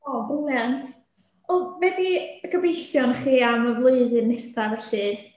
O, briliant. Wel, be 'di gobeithion chi am y flwyddyn nesa felly?